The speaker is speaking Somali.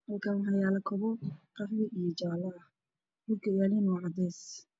Halkaan waxaa yaalo kabo midabkoodu uu yahay qaxwi iyo jaale ah, dhulka ay yaaliin waa cadeys.